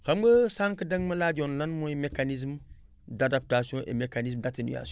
xam nga sànq da nga ma laajoon nan mooy mécanisme d' adaptation et mécanisme d' aténuation